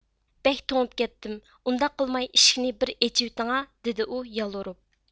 بەك توڭۇپ كەتتىم ئۇنداق قىلماي ئىشىكنى بىر ئېچىۋېتىڭا دىدى ئۇ يالۋۇرۇپ